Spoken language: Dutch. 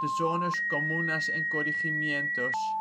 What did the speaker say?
zones, comunas en corregegimientos